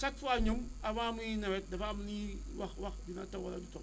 chaque fois ñoom avant muy nawet dafa am ñuy wax wax dina taw wala du taw